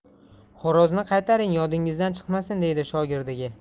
xo'rozni qaytaring yodingizdan chiqmasin deydi shogirdiga